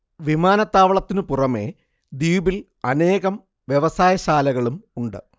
വിമാനത്താവളത്തിനു പുറമേ ദ്വീപിൽ അനേകം വ്യവസായ ശാലകളും ഉണ്ട്